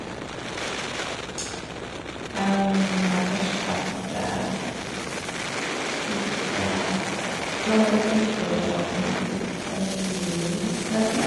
Har først vært sånn cirka, ja, halvanna uke på hytta mi i Nord-Sverige.